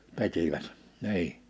repivät niin